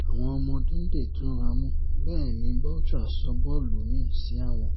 Àwọn ọmọ Dundee túnramú. Bẹ́ẹ̀ ni Bouchard sọ bọ́ọ̀lù míì sí àwọ̀n.